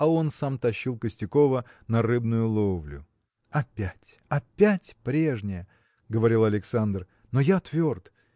а он сам тащил Костякова на рыбную ловлю. Опять! опять прежнее! – говорил Александр, – но я тверд!